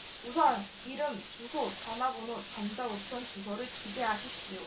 우선 이름 주소 전화번호 전자 우편 주소를 기재하십시오